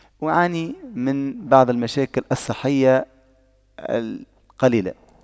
أعاني من بعض المشاكل الصحية القليلة